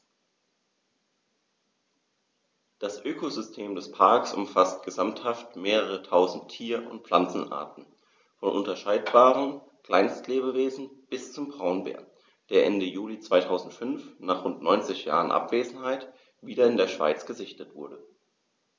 Das Ökosystem des Parks umfasst gesamthaft mehrere tausend Tier- und Pflanzenarten, von unscheinbaren Kleinstlebewesen bis zum Braunbär, der Ende Juli 2005, nach rund 90 Jahren Abwesenheit, wieder in der Schweiz gesichtet wurde.